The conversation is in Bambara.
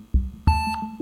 Aa